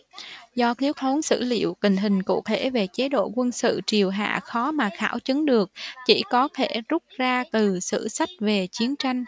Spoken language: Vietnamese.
do thiếu thốn sử liệu tình hình cụ thể về chế độ quân sự triều hạ khó mà khảo chứng được chỉ có thể rút ra từ sử sách về chiến tranh